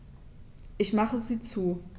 Ich mache sie zu.